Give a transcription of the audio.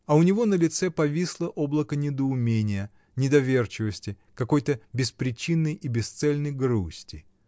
А у него на лице повисло облако недоумения, недоверчивости, какой-то беспричинной и бесцельной грусти.